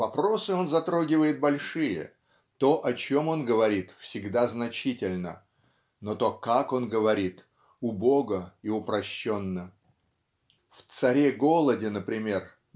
Вопросы он затрагивает большие то о чем он говорит всегда значительно но то как он говорит убого и упрощенно. В "Царе-Голоде" например